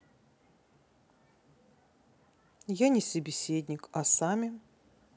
я не собеседник а сами